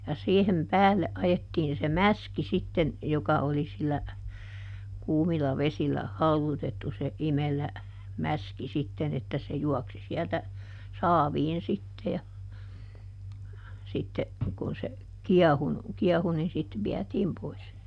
ja siihen päälle ajettiin se mäski sitten joka oli sillä kuumilla vesillä haudutettu se imelä mäski sitten että se juoksi sieltä saaviin sitten ja sitten kun se kiehunut kiehui niin sitten vietiin pois